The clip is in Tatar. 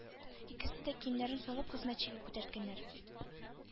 Икесе дә киемнәрен салып хезмәтчегә күтәрткәннәр.